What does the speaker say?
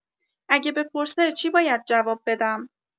اگه بپرسه چی باید جواب بدم؟